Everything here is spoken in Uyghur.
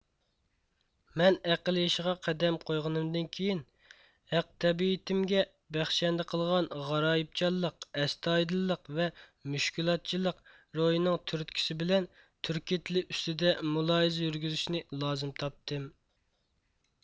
مەن ئەقىل يېشىغا قەدەم قويغىنىمدىن كېيىن ھەق تەبىئىيىتىمىگە بەخشەندە قىلغان غارايىبچانلىق ئەستايىدىللىق ۋە مۇشكۈلاتچىلىق روھىنىڭ تۈرتكىسى بىلەن تۈركىي تىل ئۈستىدە مۇلاھىزە يۈرگۈزۈشنى لازىم تاپتىم